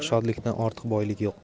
shodlikdan ortiq boylik yo'q